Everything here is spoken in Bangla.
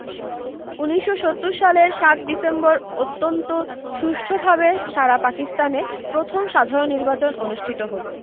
১৯৭০ সালের ৭ ডিসেম্বর অত্যন্ত সুষ্ঠুভাবে সারা পাকিস্তানে প্রথম সাধারণ নির্বাচন অনুষ্ঠিত হলো